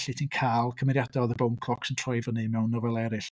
Felly ti'n cael cymeriadau o The Bone Clocks yn troi fyny mewn nofelau eraill.